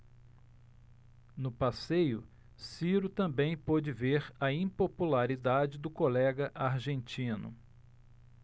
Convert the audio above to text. no passeio ciro também pôde ver a impopularidade do colega argentino